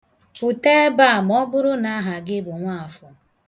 Pụta ebe a maọbụrụ na aha gị bụ Nwaafọ.